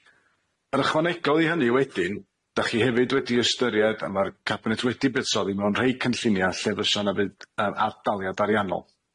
Yr ychwanegol i hynny wedyn dach chi hefyd wedi ystyried a ma'r cabinet wedi buddsoddi mewn rhei cynllunia lle fysa 'na fyd- yym ardaliad ariannol,